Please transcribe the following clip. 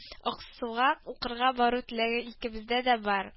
Аксуга укырга бару теләге икебездә дә бар